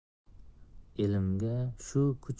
elimga shu kuch